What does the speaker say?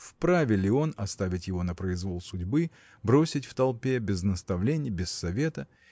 вправе ли он оставить его на произвол судьбы бросить в толпе без наставлений без совета